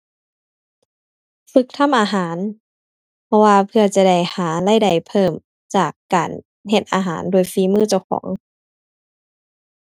ฝึกทำอาหารเพราะว่าเพื่อจะได้หารายได้เพิ่ม จากการเฮ็ดอาหารด้วยฝีมือเจ้าของ